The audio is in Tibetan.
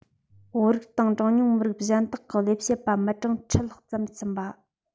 བོད རིགས དང གྲངས ཉུང མི རིགས གཞན དག གི ལས བྱེད པ མི གྲངས ཁྲི གཅིག ལྷག ཙམ ཟིན པ